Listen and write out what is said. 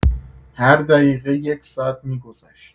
هر دقیقه یک ساعت می‌گذشت.